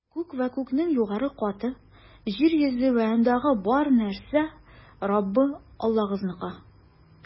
Күк вә күкнең югары каты, җир йөзе вә андагы бар нәрсә - Раббы Аллагызныкы.